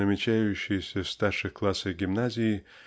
намечающиеся в старших классах гимназии